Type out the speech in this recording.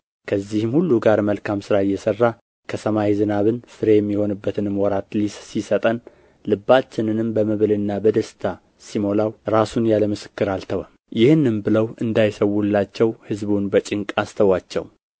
ከዚህም ሁሉ ጋር መልካም ሥራ እየሠራ ከሰማይ ዝናብን ፍሬ የሚሆንበትንም ወራት ሲሰጠን ልባችንንም በመብልና በደስታ ሲሞላው ራሱን ያለ ምስክር አልተወም ይህንም ብለው እንዳይሠዉላቸው ሕዝቡን በጭንቅ አስተዉአቸው